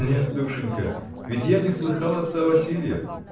— Нет, душенька: ведь я не слыхал отца Василья.